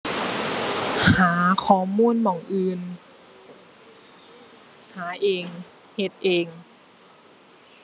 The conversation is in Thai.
หาข้อมูลหม้องอื่น หาเอง เฮ็ดเอง